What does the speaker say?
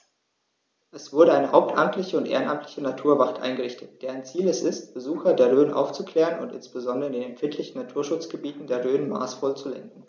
Es wurde eine hauptamtliche und ehrenamtliche Naturwacht eingerichtet, deren Ziel es ist, Besucher der Rhön aufzuklären und insbesondere in den empfindlichen Naturschutzgebieten der Rhön maßvoll zu lenken.